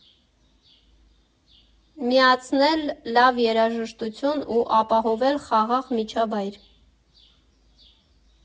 Միացնել լավ երաժշտություն ու ապահովել խաղաղ միջավայր։